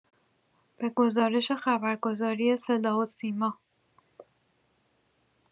به گزارش خبرگزاری صدا و سیما